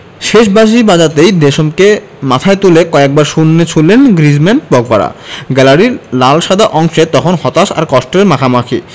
শেষ বাঁশি বাজতেই দেশমকে মাথায় তুলে কয়েকবার শূন্যে ছুড়লেন গ্রিজমান পগবারা গ্যালারির লাল সাদা অংশে তখন হতাশ আর কষ্টের মাখামাখি